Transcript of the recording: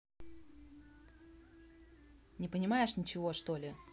непонимаешь ничего что ли